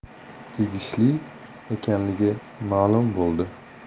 tegishli ekanligi ma'lum bo'ldi